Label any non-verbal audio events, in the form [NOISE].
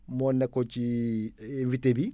moo nekkoon ci [HESITATION] invité bi